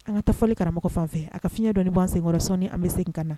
An ka taa fɔli karamɔgɔ fan fɛ a ka fiɲɛ dɔ ni'an senkɔrɔ sɔn an bɛ segin ka na